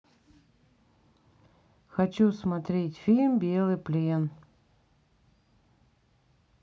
хочу смотреть фильм белый плен